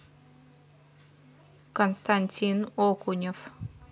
константин окунев